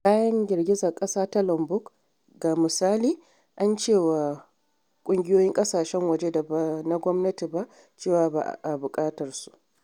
A bayan girgizar ƙasa ta Lombok, ga misali, an ce wa ƙungiyoyin ƙasashen waje da ba na gwamnati ba cewa ba a buƙatarsu.